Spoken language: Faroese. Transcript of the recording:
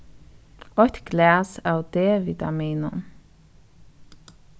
eitt glas av d-vitaminum